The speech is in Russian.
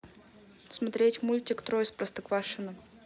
смотреть мультик трое из простоквашино